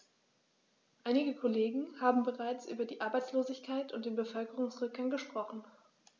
Einige Kollegen haben bereits über die Arbeitslosigkeit und den Bevölkerungsrückgang gesprochen.